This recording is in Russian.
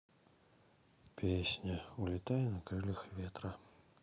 песня улетай на крыльях ветра